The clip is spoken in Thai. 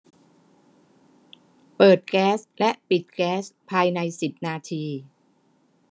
เปิดแก๊สและปิดแก๊สภายในสิบนาที